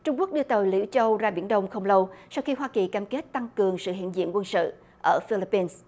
trung quốc đưa tàu liễu châu ra biển đông không lâu sau khi hoa kỳ cam kết tăng cường sự hiện diện quân sự ở phi líp pin